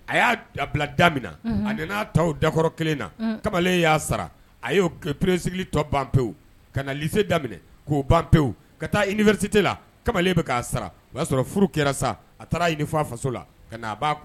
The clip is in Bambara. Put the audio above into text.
A y'a da bila da min na , a nana n'a ta o dakɔrɔ kelen na, kamalen y'a saa.o y'e o premier cycle tɔ ban pewu ka na lycée daminɛ k'o ban pewu, ka taa université la kamalen bɛ k'a sara. o y'a sɔrɔ furu kɛra sa a taara ɲini f'a faso la ka na a b'a kun